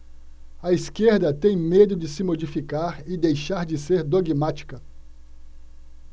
a esquerda tem medo de se modificar e deixar de ser dogmática